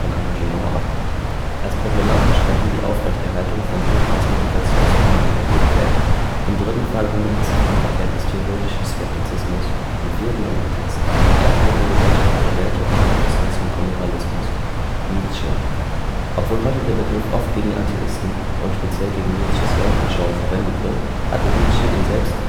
Engagement ab. Als problematisch kann hier die Aufrechterhaltung von Sinn als Motivation zur Handlung erlebt werden. Im dritten Fall handelt es sich um erkenntnistheoretischen Skeptizismus, im vierten um Protest, die Ablehnung gesellschaftlicher Werte und Normen bis hin zum Amoralismus. Obwohl heute der Begriff oft gegen Atheisten (und speziell gegen Nietzsches Weltanschauung) verwendet wird, hatte Nietzsche ihn selbst